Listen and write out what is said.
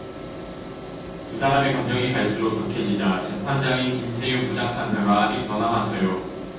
두 사람의 감정이 갈수록 격해지자 재판장인 김세윤 부장판사가 아직 더 남았어요